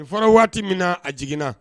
Fɔlɔ waati min a jiginna